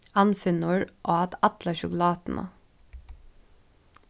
anfinnur át alla sjokulátuna